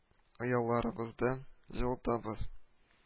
Ояларыбызда җылытабыз